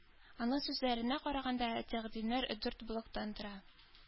Аның сүзләренә караганда, тәкъдимнәр дүрт блоктан тора.